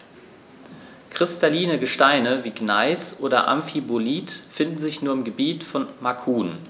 Kristalline Gesteine wie Gneis oder Amphibolit finden sich nur im Gebiet von Macun.